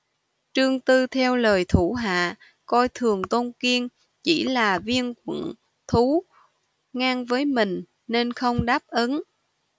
trương tư theo lời thủ hạ coi thường tôn kiên chỉ là viên quận thú ngang với mình nên không đáp ứng